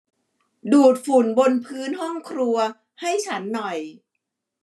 ดูดฝุ่นบนพื้นห้องครัวให้ฉันหน่อย